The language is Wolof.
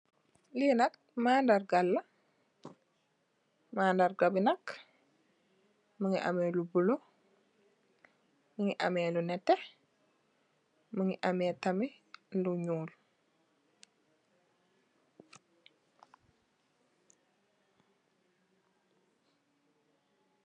Li nak mandarga la, mandarga bi nak mungi ameh lu bulo, mungi ameh lu nètè, mungi ameh tamit lu ñuul.